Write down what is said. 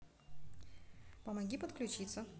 помоги подключиться